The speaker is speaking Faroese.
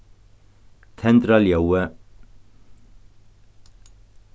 tendra ljóðið